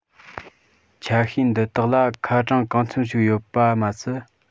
ཆ ཤས འདི དག ལ ཁ གྲངས གང འཚམ ཞིག ཡོད པ མ ཟད